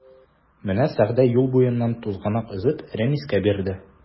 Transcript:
Менә Сәгъдә юл буеннан тузганак өзеп Рәнискә бирде.